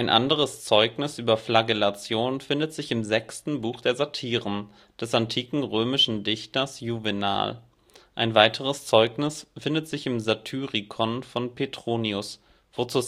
anderes Zeugnis über Flagellation findet sich im 6. Buch der Satiren des antiken römischen Dichters Juvenal (1. bzw. 2. Jahrhundert n. Chr.), ein weiteres Zeugnis findet sich im Satyricon von Petronius, wo zur